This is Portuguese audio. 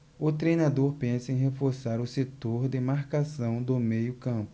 o treinador pensa em reforçar o setor de marcação do meio campo